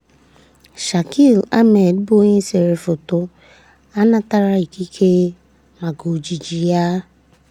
Shakil Ahmed bụ onye sere foto, a natara ikike maka ojiji ya.